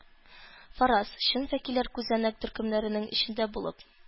Фараз - чын вәкилләр күзәнәк төркемнәренең эчендә булып...